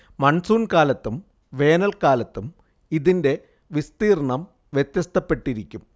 monsoon കാലത്തും വേനൽക്കാലത്തും ഇതിന്റെ വിസ്തീർണ്ണം വ്യത്യസ്തപ്പെട്ടിരിക്കും